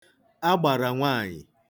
agbàrà nwaànyị̀